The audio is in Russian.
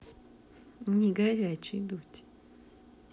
не горячий дудь